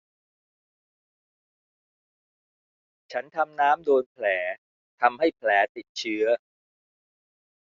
ฉันทำน้ำโดนแผลทำให้แผลติดเชื้อ